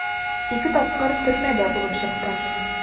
Ике тапкыр төрмәдә булып чыктым.